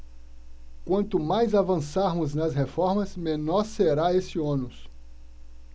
quanto mais avançarmos nas reformas menor será esse ônus